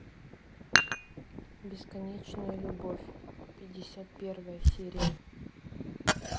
бесконечная любовь пятьдесят первая серия